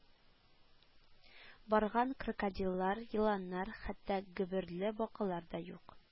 Барган крокодиллар, еланнар, хәтта гөберле бакалар да юк